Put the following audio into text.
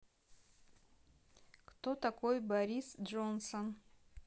кто такой борис джонсон